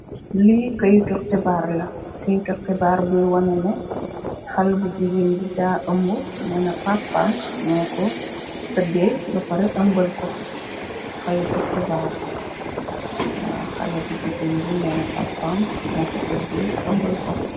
Li kayiti xibarr la, kayiti xibarr buy waneh neh xalèh bu gigeen bi da ambu. Neneh pappam moko tadéé ambal ko.